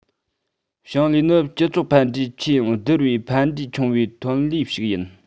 ཞིང ལས ནི སྤྱི ཚོགས ཕན འབྲས ཆེ ཡང བསྡུར བའི ཕན འབྲས ཆུང བའི ཐོན ལས ཤིག ཡིན